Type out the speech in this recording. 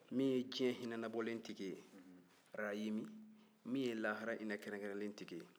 min ye diɲɛ hinɛ labɔlen tigi ye arahimi min ye lahara hinɛ kɛrɛnkɛrɛnnen tigi ye